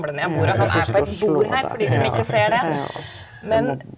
du ikke skal slå deg ja ja .